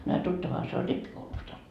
no a tuttavahan se oli rippikoulusta